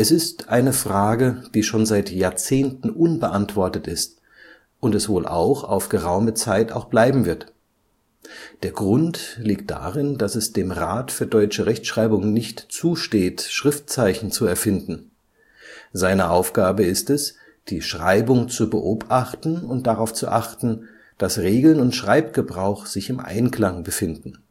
ist … eine Frage, die schon seit Jahrzehnten unbeantwortet ist und es wohl auch auf geraume Zeit auch bleiben wird. Der Grund liegt darin, daß es dem Rat für deutsche Rechtschreibung nicht zusteht, Schriftzeichen zu erfinden. Seine Aufgabe ist es, die Schreibung zu beobachten und darauf zu achten, dass Regeln und Schreibgebrauch sich im Einklang befinden